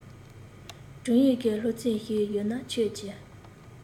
སྒྲུང ཡིག གི སློབ ཚན ཞིག ཡོད ན ཁྱོད ཀྱིས